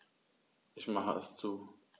Ich mache es zu.